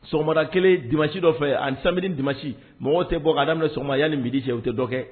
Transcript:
Ra kelen dimansi dɔ fɛ ani san dimansi mɔgɔ tɛ bɔ ka daminɛ sɔgɔma y' ni mi bidi cɛ o tɛ dɔ kɛ